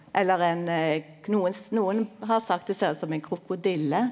eller ein nokon nokon har sagt at det ser ut som ein krokodille.